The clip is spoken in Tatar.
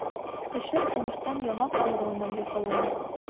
Кызчык тумыштан яңак авыруыннан җәфалана.